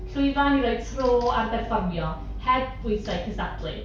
Llwyfan i roi tro ar berfformio, heb bwysau cystadlu.